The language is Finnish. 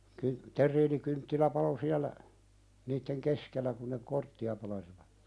- terriinikynttilä paloi siellä niiden keskellä kun ne korttia pelasi